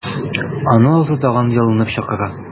Аны Алсу тагын ялынып чакыра.